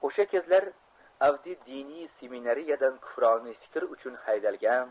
o'sha kezlar avdiy diniy seminariyadan kufroniy fikr uchun haydalgan